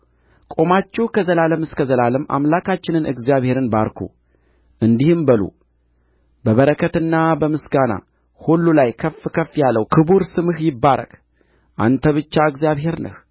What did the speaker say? ቆማችሁ ከዘላለም እስከ ዘላለም አምላካችንን እግዚአብሔርን ባርኩ እንዲህም በሉ በበረከትና በምስጋና ሁሉ ላይ ከፍ ከፍ ያለው ክቡር ስምህ ይባረክ አንተ ብቻ እግዚአብሔር ነህ